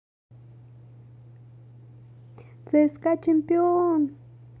цска чемпион